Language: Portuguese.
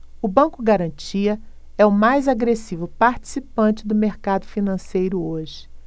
o banco garantia é o mais agressivo participante do mercado financeiro hoje